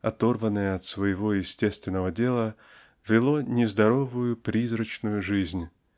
оторванное от своего естественного дела вело нездоровую призрачную жизнь.